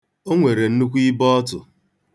O nwere nnukwu ibeọtụ.